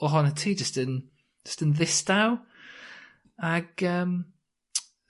ohonot ti jyst yn jyst yn ddistaw. Ag yym.